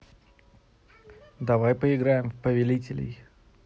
давай поиграем в повелителей